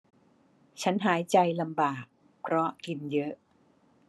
ฉันหายใจลำบากเพราะกินเยอะ